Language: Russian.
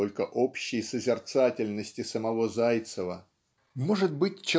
сколько общей созерцательности самого Зайцева может быть